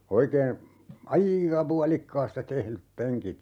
oikein aika puolikkaasta tehdyt penkit